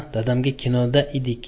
dadamga kinoda edik